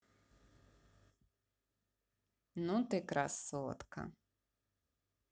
ну ты красотка